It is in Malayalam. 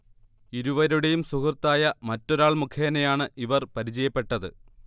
ഇരുവരുടെയും സുഹൃത്തായ മറ്റൊരാൾ മുഖേനയാണ് ഇവർ പരിചയപ്പെട്ടത്